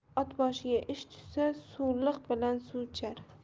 ot boshiga ish tushsa suvliq bilan suv ichar